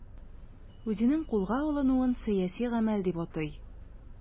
Үзенең кулга алынуын сәяси гамәл дип атый.